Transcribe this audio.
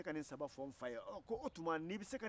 i ye a faamuya